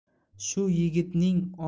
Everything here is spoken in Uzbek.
shu yigitning onasi oyimning